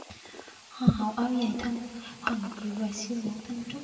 hoa hậu áo dài thân hoàng diệu và siêu mẫu thanh trúc